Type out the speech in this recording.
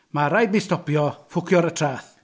Mae'n rhaid mi stopio, ffwcio ar y traeth.